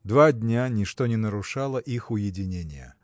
Два дня ничто не нарушало их уединения.